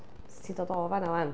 'Sa ti'n dod o fan'na 'wan.